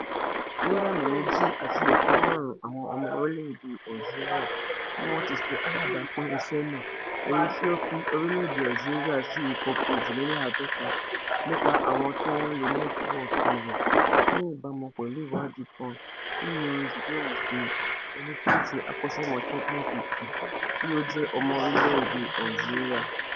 2.1 mílíọ̀nù àwọn ọmọ orílẹ̀ èdè Algeria ni wọ́n ti ṣe alábàápín iṣẹ́ náà, èyí tí ó fi orílè-èdè Algeria sí ipò 52nd nípa àwọn tí wọ́n ń lo nẹ́tíwọ́ọ̀kì rẹ̀, ní ìbámu pẹ̀lú ìwádìí kan tí Younes Grar ṣe, ẹni tí í ṣe akọ́ṣẹ́mọṣẹ́ ICT tí ó jẹ́ ọmọ orílẹ̀ èdè Algeria.